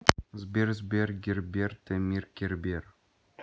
сбер сбер герберте мир кербер